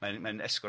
Mae'n mae'n esgor.